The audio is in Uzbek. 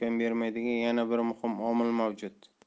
bermaydigan yana bir muhim omil mavjud